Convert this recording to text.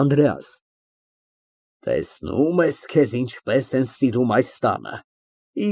ԱՆԴՐԵԱՍ ֊ Տեսնում ես, քեզ ինչպես են սիրում այս տանը։